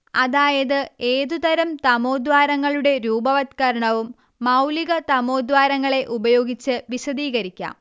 അതായത് ഏതുതരം തമോദ്വാരങ്ങളുടെ രൂപവത്കരണവും മൗലികതമോദ്വാരങ്ങളെ ഉപയോഗിച്ച് വിശദീകരിക്കാം